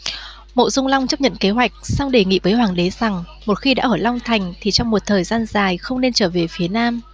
mộ dung long chấp thuận kế hoạch song đề nghị với hoàng đế rằng một khi đã ở long thành thì trong một thời gian dài không nên trở về phía nam